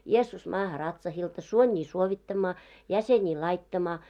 Jeesus maahan ratsahilta suonia suovittamaan jäseniä laittamaan